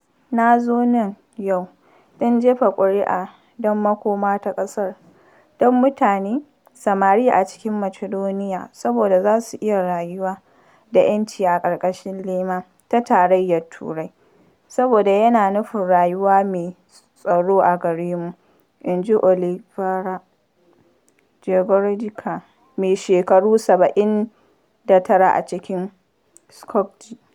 “Na zo nan yau don jefa kuri’a don makoma ta ƙasar, don mutane samari a cikin Macedonia saboda za su iya rayuwa da ‘yanci a ƙarƙashin lema ta Tarayyar Turai saboda yana nufin rayuwa mai tsaro a gare mu,” inji Olivera Georgijevska, mai shekaru 79, a cikin Skopje.